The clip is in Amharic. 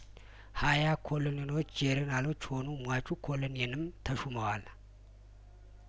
ሀያ ኮሎኔሎች ጄሬናሎች ሆኑ ሟቹ ኮሎኔልም ተሹመዋል